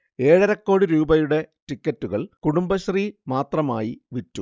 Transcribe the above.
ഏഴരക്കോടി രൂപയുടെ ടിക്കറ്റുകൾ കുടുംബശ്രീ മാത്രമായി വിറ്റു